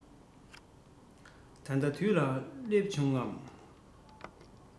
ད ལྟ དུས ལ བསླེབས བྱུང ངམ